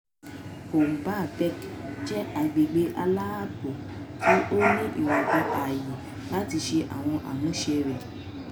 Boumba Bek jẹ́ agbègbè aláàbò tí ó ní ìwọ̀nba àyè láti ṣe àwọn àmúṣe rẹ̀.